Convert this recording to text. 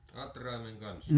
atraimen kanssa